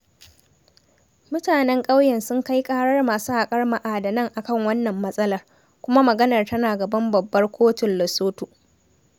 Mutanen ƙauyen sun kai ƙarar masu haƙar ma'adanan a kan wannan matsalar, kuma maganar tana gaban Babbar Kotun Lesotho.